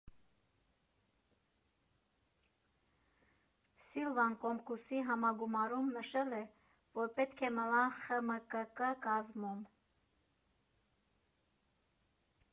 Սիլվան Կոմկուսի համագումարում նշել է, որ պետք է մնալ ԽՄԿԿ կազմում։